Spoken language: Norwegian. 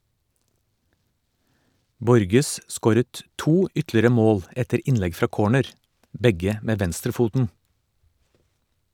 Borges scoret to ytterligere mål etter innlegg fra corner, begge med venstrefoten.